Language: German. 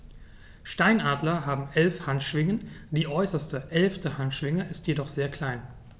Steinadler haben 11 Handschwingen, die äußerste (11.) Handschwinge ist jedoch sehr klein.